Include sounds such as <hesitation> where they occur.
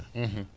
<hesitation> <hesitation>